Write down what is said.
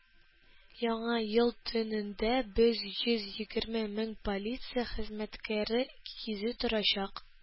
Яңа ел төнендә без йөз егерме мең полиция хезмәткәре кизү торачак.